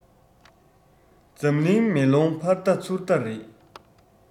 འཛམ གླིང མེ ལོང ཕར བལྟ ཚུར བལྟ རེད